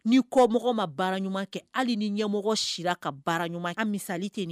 Ni kɔ mɔgɔ ma baara ɲuman kɛ hali ni ɲɛmɔgɔ sira ka baara ɲuman kɛ. A misali tɛ nin ye?